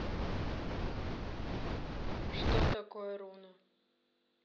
что такое руно